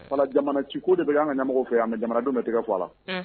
Fana, Jamana ci ko de bɛ kɛ anw ka ɲamɔgɔw fɛ nka jamanadenw bɛ tɛgɛrɛ fɔ a la., unhun.